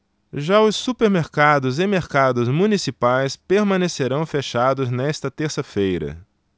já os supermercados e mercados municipais permanecerão fechados nesta terça-feira